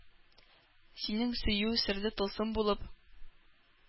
Синең сөю, серле тылсым булып,